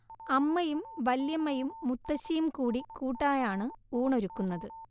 അമ്മയും വല്യമ്മയും മുത്തശ്ശിയും കൂടി കൂട്ടായാണ് ഊണൊരുക്കുന്നത്